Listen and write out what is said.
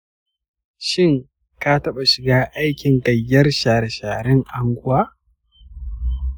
shin ka taɓa shiga aikin gayyar share-sharen unguwa?